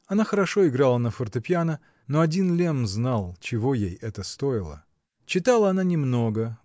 Она хорошо играла на фортепьяно; но один Лемм знал, чего ей это стоило. Читала она немного